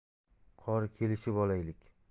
qori kelishib olaylik